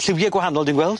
Lliwie gwahanol dwi'n gweld?